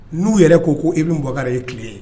N'u yɛrɛ ko ko Ibrahimu Bubakari ye tile ye.